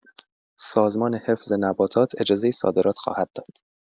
سازمان حفظ نباتات اجازه صادرات خواهد داد.